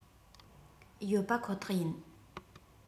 ཡོད པ ཁོ ཐག ཡིན